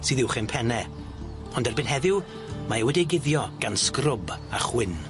sydd uch ein penne ond erbyn heddiw mae e wedi 'i guddio gan scrwb a chwyn